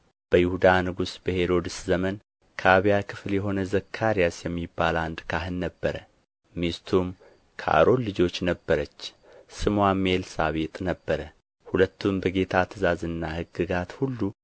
በይሁዳ ንጉሥ በሄሮድስ ዘመን ከአብያ ክፍል የሆነ ዘካርያስ የሚባል አንድ ካህን ነበረ ሚስቱም ከአሮን ልጆች ነበረች ስምዋም ኤልሳቤጥ ነበረ ሁለቱም በጌታ ትእዛዝና ሕግጋት ሁሉ